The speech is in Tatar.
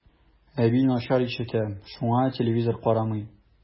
Әби начар ишетә, шуңа телевизор карамый.